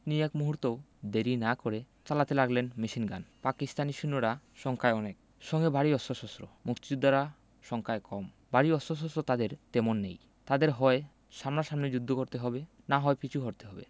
তিনি এক মুহূর্তও দেরি না করে চালাতে লাগলেন মেশিনগান পাকিস্তানি সৈন্যরা সংখ্যায় অনেক সঙ্গে ভারী অস্ত্রশস্ত্র মুক্তিযোদ্ধারা সংখ্যায় কম ভারী অস্ত্রশস্ত্র তাঁদের তেমন নেই তাঁদের হয় সামনাসামনি যুদ্ধ করতে হবে না হয় পিছু হটতে হবে